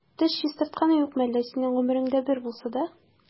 Теш чистартканың юкмы әллә синең гомереңдә бер булса да?